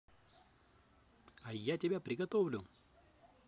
а я тебя приготовлю